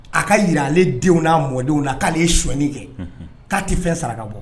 A ka jira ale denw n'a mɔdenw na k'ale ye shɔni kɛ k'a tɛ fɛn saraka bɔ